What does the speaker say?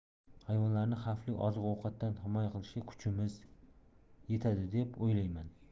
hayvonlarni xavfli oziq ovqatdan himoya qilishga kuchimiz yetadi deb o'ylayman